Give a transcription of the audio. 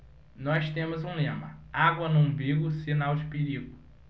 nós temos um lema água no umbigo sinal de perigo